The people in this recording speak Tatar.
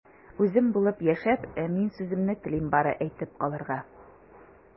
Үзем булып яшәп, мин сүземне телим бары әйтеп калырга...